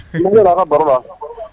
Numukɛ bɛ ka baro wa